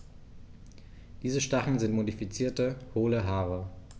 Diese Stacheln sind modifizierte, hohle Haare.